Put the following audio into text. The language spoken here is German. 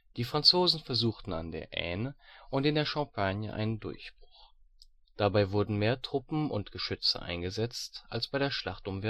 Die Franzosen versuchten an der Aisne und in der Champagne einen Durchbruch. Dabei wurden mehr Truppen und Geschütze eingesetzt als bei der Schlacht um